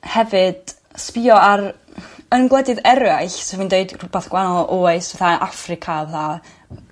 hefyd sbïo ar... Yn gwledydd eraill sa fi'n dweud rhwbath gwa'anol oes fatha Africa fatha